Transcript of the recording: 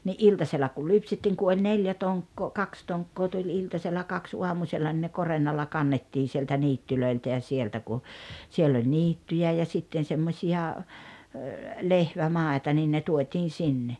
niin iltasella kun lypsettiin kun oli neljä tonkkaa kaksi tonkkaa tuli iltasella kaksi aamusella no ne korennolla kannettiin sieltä niityiltä ja sieltä kun siellä oli niittyjä ja sitten semmoisia lehvämaita niin ne tuotiin sinne